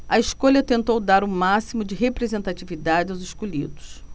a escolha tentou dar o máximo de representatividade aos escolhidos